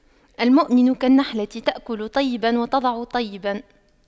المؤمن كالنحلة تأكل طيبا وتضع طيبا